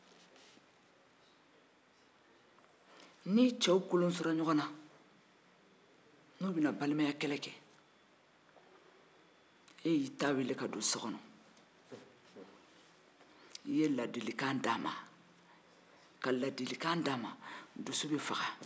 ni cɛ kɛra ɲɔgɔn na n'u bɛna balimayakɛlɛ ke n'e y'i ta weele ka don so kɔnɔ ka ladilikan di a ma a dusu bɛ faga